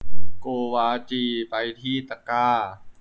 โกวาจีไปที่ตะกร้าสินค้า